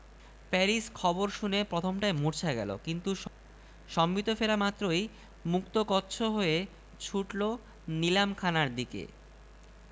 সেখানে গিয়ে অবস্থা দেখে সকলেরই চক্ষুস্থির